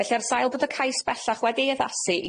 Felly ar sail bod y cais bellach wedi addasu